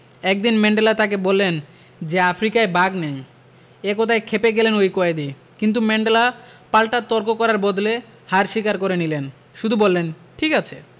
একদিন ম্যান্ডেলা তাঁকে বললেন যে আফ্রিকায় বাঘ নেই এ কথায় খেপে গেলেন ওই কয়েদি কিন্তু ম্যান্ডেলা পাল্টা তর্ক করার বদলে হার স্বীকার করে নিলেন শুধু বললেন ঠিক আছে